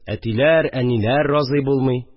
Әтиләр, әниләр разый булмый